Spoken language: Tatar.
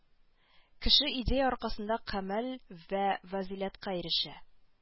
Кеше идея аркасында кәмаль вә фазыйләткә ирешә